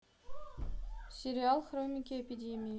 сериал хроники эпидемии